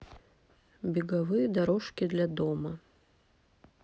беговые дорожки для дома